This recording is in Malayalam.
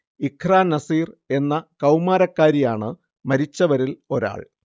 ഇഖ്ര നസീർ എന്ന കൗമാരക്കാരിയാണ് മരിച്ചവരിൽ ഒരാൾ